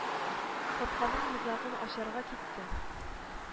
Капканың йозагын ачарга китте.